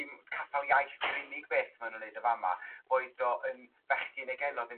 dim caffel iaith di'r unig beth ma' n'wn 'neud y fama boed o yn fechgyn neu genod yn mynd